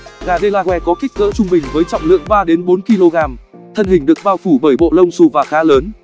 gà delaware có kích cỡ trung bình với trọng lượng kg thân hình được bao phủ bởi bộ lông xù và khá lớn